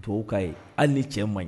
Duwawu ka ye . Hali ni cɛ man ɲi.